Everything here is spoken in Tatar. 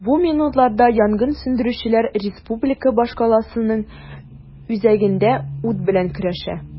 Бу минутларда янгын сүндерүчеләр республика башкаласының үзәгендә ут белән көрәшә.